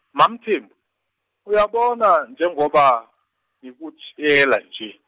MaMthembu, uyabona njengoba ngikutshela nje.